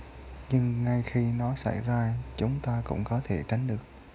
nhưng ngay khi nó xảy ra chúng ta cũng có thể tránh được